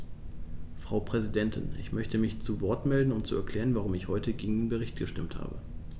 Frau Präsidentin, ich möchte mich zu Wort melden, um zu erklären, warum ich heute gegen den Bericht gestimmt habe.